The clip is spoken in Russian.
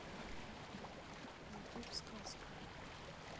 ютуб сказка